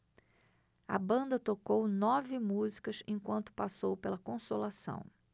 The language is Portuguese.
a banda tocou nove músicas enquanto passou pela consolação